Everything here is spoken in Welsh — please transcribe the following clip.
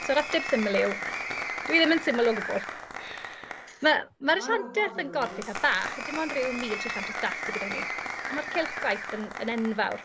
So yr ateb syml yw, dyw hi ddim yn syml o gwbl ! Ma' ma'r asianteth yn gorff eithaf bach, a dim ond ryw mil tri chant o staff sy gyda ni, ond mae'r cylch gwaith yn yn enfawr.